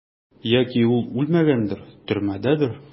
Яки ул үлмәгәндер, төрмәдәдер?